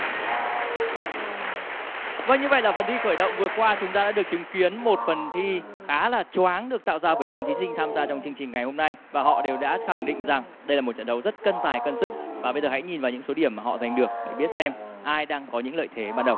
vâng như vậy là phần thi khởi động vừa qua chúng ta đã được chứng kiến một phần thi khá là choáng được tạo ra bởi bốn thí sinh tham gia trong chương trình ngày hôm nay và họ đều đã khẳng định rằng đây là một trận đấu rất cân tài cân sức và bây giờ hãy nhìn vào những số điểm họ giành được để biết xem ai đang có những lợi thế ban đầu